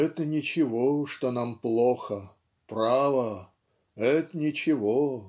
"это ничего, что нам плохо, право, это ничего".